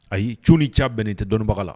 Ayi y'i c ni ca bɛnnen tɛ dɔnnibaga la